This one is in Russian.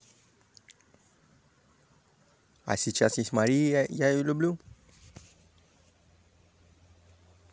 а сейчас есть мария я ее люблю